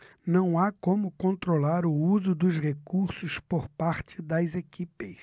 não há como controlar o uso dos recursos por parte das equipes